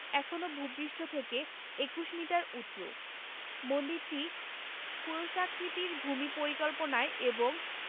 এখনও ভূ পৃষ্ঠ থেকে ২১ মিটার উঁচু মন্দিরটি ক্রুশাকৃতির ভূমি পরিকল্পনায় এবং